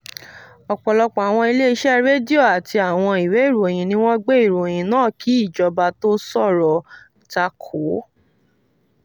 Ọ̀pọ̀lọpọ̀ àwọn ilé-iṣẹ́ rédíò àti àwọn ìwé ìròyìn ní wọ́n gbé ìròyìn náà kí ìjọba tó sọ̀rọ̀ takòó.